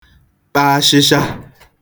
kpa ashịshịa